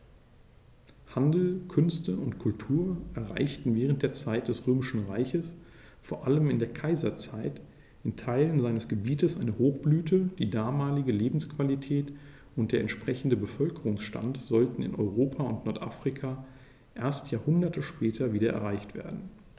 Handel, Künste und Kultur erreichten während der Zeit des Römischen Reiches, vor allem in der Kaiserzeit, in Teilen seines Gebietes eine Hochblüte, die damalige Lebensqualität und der entsprechende Bevölkerungsstand sollten in Europa und Nordafrika erst Jahrhunderte später wieder erreicht werden.